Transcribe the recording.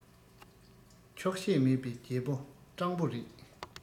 ཆོག ཤེས མེད པའི རྒྱལ པོ སྤྲང པོ རེད